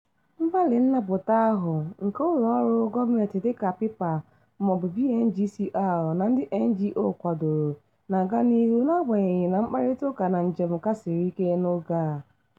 Mgbalị nnapụta ahụ, nke ụlọọrụ gọọmentị dịka Apipa maọbụ BNGCR na ndị NGO kwadoro, na-aga n'ihu n'agbanyeghị na mkparịtaụka na njem ka siri ike n'oge a.